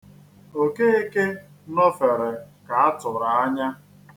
Okeke nọfere ka a tụrụ anya.